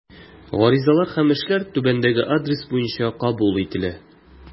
Гаризалар һәм эшләр түбәндәге адрес буенча кабул ителә.